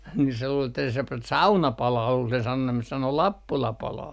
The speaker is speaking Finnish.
niin se luuli että se - sauna palaa kuuli sen sanoneen sanoi Lappula palaa